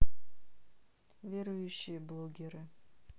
верующие блогеры